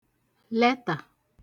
lẹtà